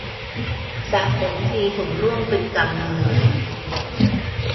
สระผมทีผมร่วงเป็นกำมือ